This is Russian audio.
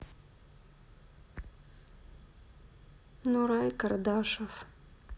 nuray кардашов